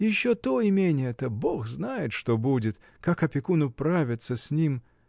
Еще то имение-то, Бог знает, что будет, как опекун управится с ним!